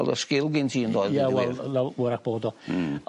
o'dd o sgil gin ti yndoedd deud y gwir. Ie wel law- 'w'rach bod o. Hmm.